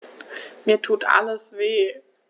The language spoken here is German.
Mir tut alles weh.